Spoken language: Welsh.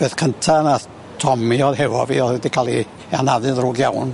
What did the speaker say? Peth cynta nath Tommy o'dd hefo fi o'dd 'di ca'l i anafu'n ddrwg iawn.